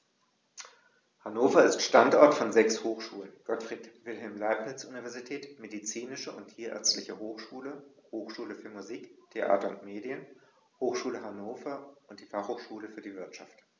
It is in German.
Hannover ist Standort von sechs Hochschulen: Gottfried Wilhelm Leibniz Universität, Medizinische und Tierärztliche Hochschule, Hochschule für Musik, Theater und Medien, Hochschule Hannover und die Fachhochschule für die Wirtschaft.